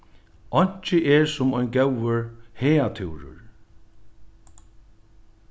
einki er sum ein góður hagatúrur